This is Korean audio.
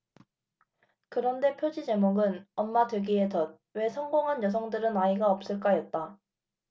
그런데 표지 제목은 엄마 되기의 덫 왜 성공한 여성들은 아이가 없을까였다